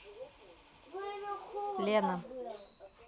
лена